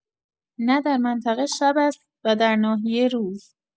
نه در منطقه شب است و در ناحیه روز.